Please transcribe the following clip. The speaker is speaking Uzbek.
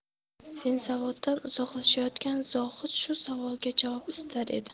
vinzavoddan uzoqlashayotgan zohid shu savolga javob istar edi